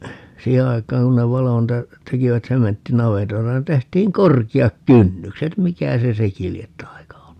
siihen aikaan kun ne valoi niitä tekivät sementtinavetoita niin tehtiin korkeat kynnykset mikä se sekin lie taika ollut